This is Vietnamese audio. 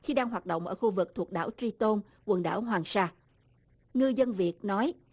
khi đang hoạt động ở khu vực thuộc đảo tri tôn quần đảo hoàng sa ngư dân việt nói